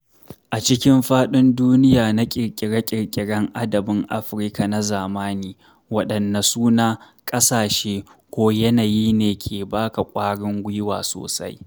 A cikin fadin duniya na kirkire-kirkiren adabin Afirka na zamani, waɗanne suna, ƙasashe, ko yanayi ne ke ba ka kwarin gwiwa sosai?